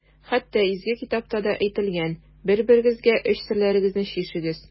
Хәтта Изге китапта да әйтелгән: «Бер-берегезгә эч серләрегезне чишегез».